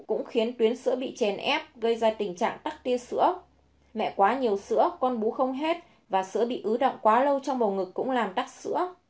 cũng khiến tuyến sữa bị chèn ép gây ra tình trạng tắc tia sữa mẹ quá nhiều sữa con bú không hết và sữa bị ứ đọng quá lâu trong bầu ngực cũng làm tắc sữa